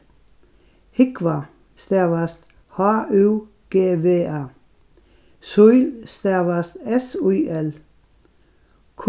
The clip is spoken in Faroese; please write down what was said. húgva stavast h ú g v a síl stavast s í l